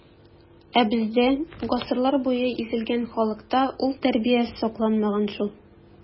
Ә бездә, гасырлар буе изелгән халыкта, ул тәрбия сакланмаган шул.